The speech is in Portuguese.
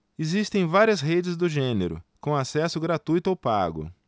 existem várias redes do gênero com acesso gratuito ou pago